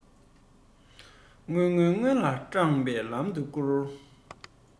སྔོན སྔོན སྔོན ལ སྤྲང པོའི ལམ ཏུ སྐུར